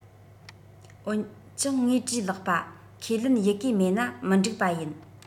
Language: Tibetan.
འོན ཀྱང ངས བྲིས ལེགས པ ཁས ལེན ཡི གེ མེད ན མི འགྲིག པ ཡིན